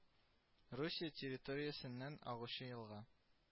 Кеҗервмъ ль Русия территориясеннән агучы елга